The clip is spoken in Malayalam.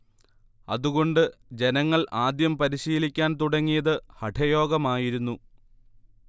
അതുകൊണ്ട് ജനങ്ങൾ ആദ്യം പരിശീലിക്കാൻ തുടങ്ങിയത് ഹഠയോഗമായിരുന്നു